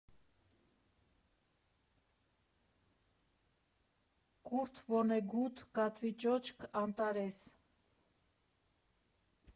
Կուրթ Վոնեգութ «Կատվի ճոճք», ԱՆՏԱՐԵՍ։